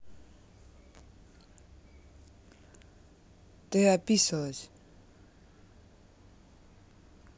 ты описалась